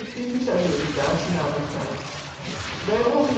typisch Amerikaanse namen zijn. Bij ons